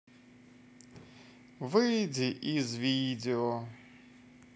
выйди из видео